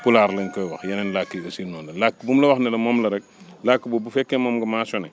pulaar lañ koy wax yeneen làkk yi aussi noonu la làkku bu mu la wax ne la moom la rek làkk boobu bu fekkee moom nga mentionné